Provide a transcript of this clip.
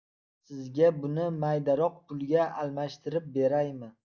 sizga buni maydaroq pulga almashtirib beraymi